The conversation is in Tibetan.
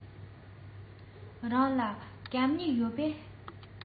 རང ལ སྐམ སྨྱུག ཡོད པས